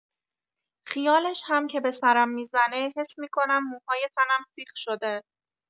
خیالش هم که به سرم می‌زنه حس می‌کنم موهای تنم سیخ شده.